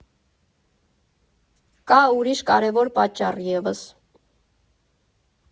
Կա ուրիշ կարևոր պատճառ ևս.